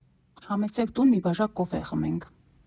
Համեցեք տուն՝ մի բաժակ կոֆե խմենք։